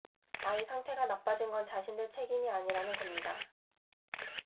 아이 상태가 나빠진 건 자신들 책임이 아니라는 겁니다